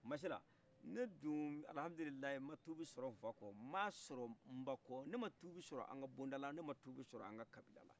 masila ne dun alihamidulilayi ma tubi sɔrɔ nfakɔ ma sɔrɔ mbakɔ ne ma tubi sɔrɔ an ka bon dala ne ma tubi sɔrɔ an kabilala